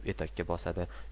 etakka bosadi